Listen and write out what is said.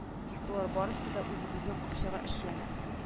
Тик болар барысы да үзебезнең акчага эшләнә